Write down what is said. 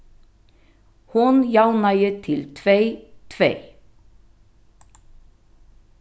hon javnaði til tvey tvey